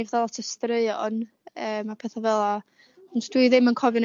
straeon yym a petha' fel'a ond dwi ddim yn cofio 'neud